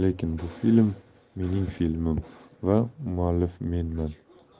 lekin bu film mening filmim va muallif menman